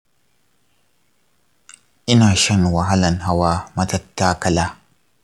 ina shan wahalan hawa matattakala